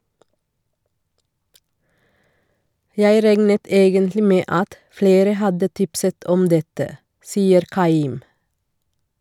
Jeg regnet egentlig med at flere hadde tipset om dette, sier Keim.